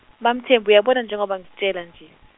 MaMthembu uyabona njengoba ngikutshela nje.